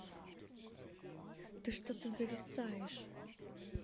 ты что то зависаешь